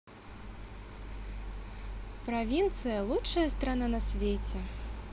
провинция лучшая страна на свете